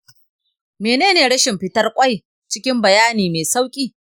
menene rashin fitar ƙwai cikin bayani mai sauƙi?